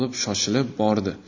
shoshilib bordi